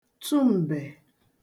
tụ m̀bè